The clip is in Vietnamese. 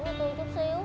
cho